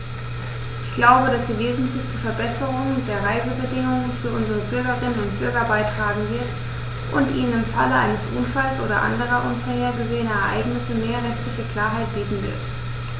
Ich glaube, dass sie wesentlich zur Verbesserung der Reisebedingungen für unsere Bürgerinnen und Bürger beitragen wird, und ihnen im Falle eines Unfalls oder anderer unvorhergesehener Ereignisse mehr rechtliche Klarheit bieten wird.